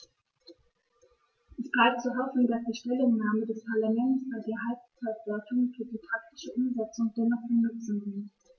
Es bleibt zu hoffen, dass die Stellungnahmen des Parlaments bei der Halbzeitbewertung und für die praktische Umsetzung dennoch von Nutzen sind.